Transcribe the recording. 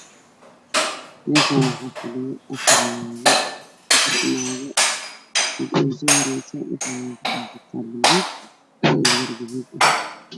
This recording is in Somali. Meshan waxa fadhiya afar naago mida usohoreyso waxey watat gabsar balug io ilyar gadud sh